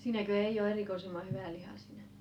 siinäkö ei ole erikoisemman hyvä liha